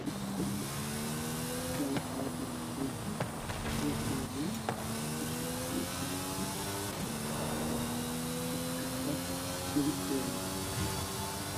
Waa nafaqo loogu tala galay tinta yar iyo weyn waxay ka sameysan tahay ofokaadho midabkeeduna waa cagaar